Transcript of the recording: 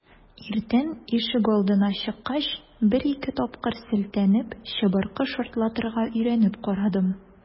Иртән ишегалдына чыккач, бер-ике тапкыр селтәнеп, чыбыркы шартлатырга өйрәнеп карадым.